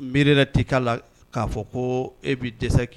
Miri wɛrɛ tɛ k'a la k'a fɔ ko e bɛ dɛsɛ k